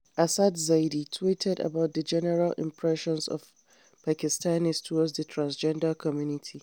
Asad Zaidi tweeted about the general impression of Pakistanis towards the transgender community: